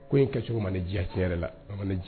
Ko in kɛcogo man ne diya cɛn yɛrɛ la a man ne diya